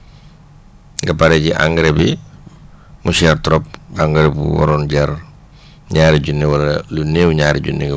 nga pare ji engrais bi mu cher trop engrais bu waroon jar ñaari junne wala lu néew ñaari junne